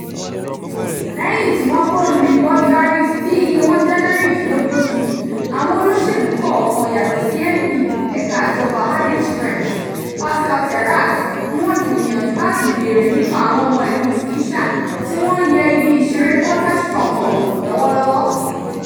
Lẹ́yìn tí wọ́n kó rue Botzaris tí iye wọn jẹ́ mẹ́rìndínlógójì, àwọn olóṣèlú kọ̀ọ̀kan - yàtọ̀ sí MP ẹ̀ka ìjọba Ardèche French, Pascal Terrasse- ni wọ́n ti gbìyànjú láti bèèrè nípa àwọn ọmọ ìlú Tunisia tí wọ́n ń ye ibi ìṣeré Butters Chaumont lọ́wọ́ lọ́wọ́.